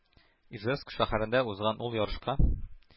Ижевск шәһәрендә узган ул ярышка